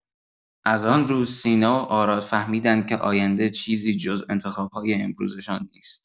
از آن روز، سینا و آراد فهمیدند که آینده، چیزی جز انتخاب‌های امروزشان نیست!